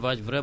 nga mbaa nga